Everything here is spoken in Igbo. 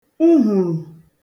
uhùrù